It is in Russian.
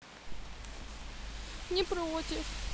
не против